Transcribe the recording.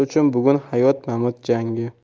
uchun bugun hayot mamot jangi